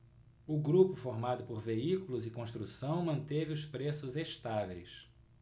o grupo formado por veículos e construção manteve os preços estáveis